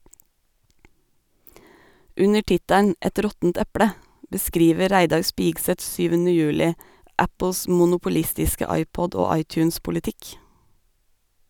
Under tittelen "Et råttent eple" beskriver Reidar Spigseth 7. juli Apples monopolistiske iPod- og iTunes-politikk.